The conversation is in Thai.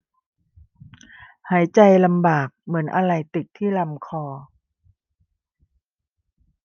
หายใจลำบากเหมือนอะไรติดที่ลำคอ